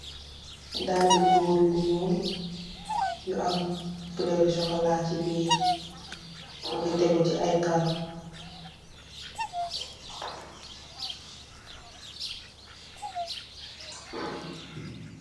dale goor yu nuul yu color yu sokola ci birr mogui tegu ci ayi caro.